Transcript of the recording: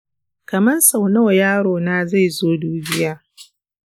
kaman sau nawa yaro na zai zo dubiya?